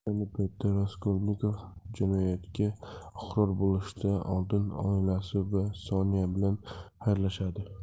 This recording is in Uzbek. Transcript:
ayni paytda raskolnikov jinoyatga iqror bo'lishidan oldin oilasi va sonya bilan xayrlashadi